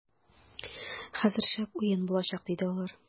- хәзер шәп уен булачак, - диде алар.